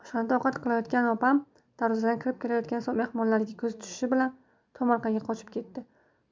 oshxonada ovqat qilayotgan opam darvozadan kirib kelayotgan mehmonlarga ko'zi tushishi bilan tomorqaga qochib ketdi